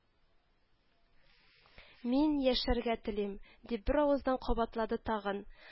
— мин яшәргә телим! дип беравыздан кабатлады тагын